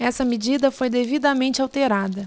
essa medida foi devidamente alterada